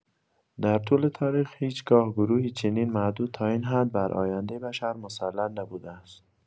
در طول تاریخ، هیچ‌گاه گروهی چنین معدود تا این حد بر آینده بشر مسلط نبوده است.